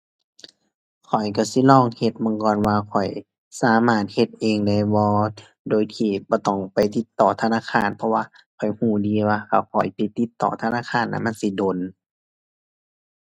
ข้อยก็สิลองเฮ็ดเบิ่งก่อนว่าข้อยสามารถเฮ็ดเองได้บ่ โดยที่บ่ต้องไปติดต่อธนาคาร เพราะว่าข้อยก็ดีว่าถ้าข้อยไปติดต่อธนาคารน่ะมันสิโดน